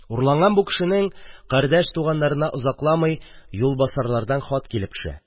Урланган бу кешенең кардәш-туганнарына озакламый юлбасарлардан хат килеп төшә.